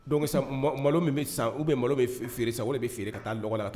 Donc sian malo min bɛ sisan ou bien malo min bɛ feere sisan o de bɛ feere ka taa dɔgɔ la.